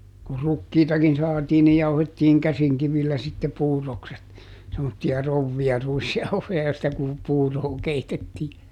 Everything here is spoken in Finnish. kun rukiitakin saatiin niin jauhettiin käsinkivillä sitten puurokset semmoisia krouveja ruisjauhoja joista - puuroa keitettiin